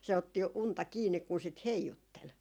se otti unta kiinni kun sitä heijutteli